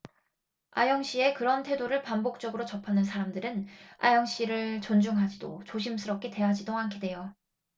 아영씨의 그런 태도를 반복적으로 접하는 사람들은 아영씨를 존중하지도 조심스럽게 대하지도 않게 돼요